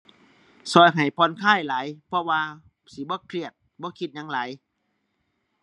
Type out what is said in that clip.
ช่วยให้ผ่อนคลายหลาย เพราะว่าสิบ่เครียด บ่คิดหยังหลาย